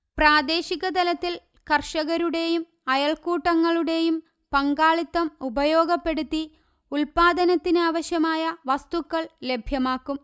പ്രാദേശിക തലത്തിൽ കർഷകരുടെയും അയല്ക്കൂട്ടങ്ങളുടെയും പങ്കാളിത്തം ഉപയോഗപ്പെടുത്തി ഉല്പാദനത്തിനാവശ്യമായ വസ്തുക്കൾ ലഭ്യമാക്കും